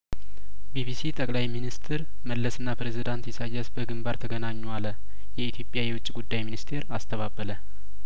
ቢቢሲ ጠቅላይ ሚንስትር መለስና ፕሬዚዳንት ኢሳያስ በግንባር ተገናኙ አለየኢትዮጵያ የውጭ ጉዳይ ሚኒስቴር አስተባበለ